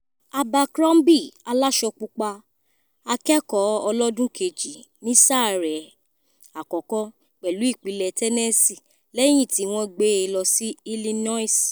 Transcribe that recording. Abercrombie, aláṣọpúpa akẹ́kọ̀ ọlọ́dún kejì ní sáa rẹ àkọ́kọ́ pẹ̀lú Ìpínlẹ̀ Tennessee lẹ́yìn tí wọ́n gbé e lọ sí Illinois.